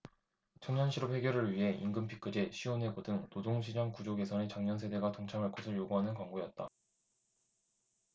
청년실업 해결을 위해 임금피크제 쉬운 해고 등 노동시장 구조 개선에 장년 세대가 동참할 것을 요구하는 광고였다